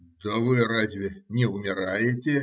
- Да вы разве не умираете?